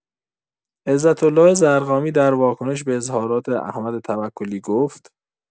عزت‌الله ضرغامی در واکنش به اظهارات احمد توکلی گفت: